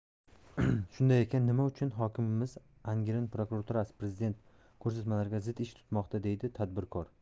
shunday ekan nima uchun hokimimiz va angren prokuraturasi prezident ko'rsatmalariga zid ish tutmoqda deydi tadbirkor